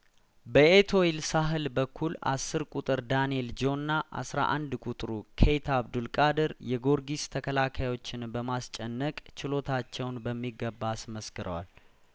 በኤቶይል ሳህል በኩል አስር ቁጥር ዳንኤል ጆና አስራ አንድ ቁጥሩ ኬይታ አብዱል ቃድር የጐርጊስ ተከላካዮችን በማስጨነቅ ችሎታቸውን በሚገባ አስመስክረዋል